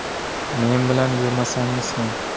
men bilan yurmasangiz ham